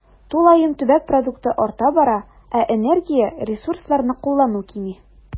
Тулаем төбәк продукты арта бара, ә энергия, ресурсларны куллану кими.